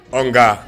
Ɔɔ nka